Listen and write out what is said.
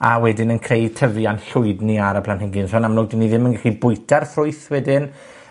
a wedyn yn creu tyfiant llwydni ar y planhigyn. So yn amlwg 'dyn ni ddim yn gallu bwyta'r ffrwyth wedyn.